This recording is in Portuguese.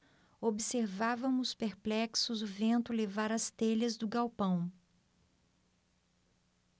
observávamos perplexos o vento levar as telhas do galpão